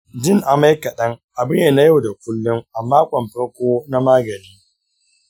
jin amai kaɗan abu ne na yau da kullum a makon farko na magani.